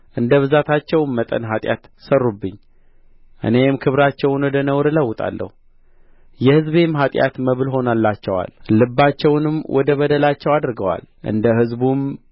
እንደ ብዛታቸው መጠን ኃጢአት ሠሩብኝ እኔም ክብራቸውን ወደ ነውር እለውጣለሁ የሕዝቤም ኃጢአት መብል ሆኖላቸዋል ልባቸውንም ወደ በደላቸው አድርገዋል እንደ ሕዝቡም